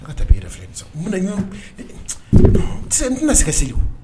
A ka taa bɛ yɛrɛ fɛ n tɛna sɛgɛ segin